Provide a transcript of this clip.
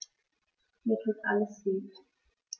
Mir tut alles weh.